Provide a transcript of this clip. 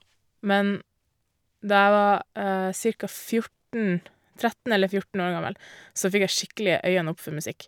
Men da jeg var cirka fjorten, tretten eller fjorten år gammel, så fikk jeg skikkelig øynene opp for musikk.